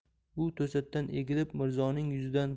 u to'satdan egilib mirzoning yuzidan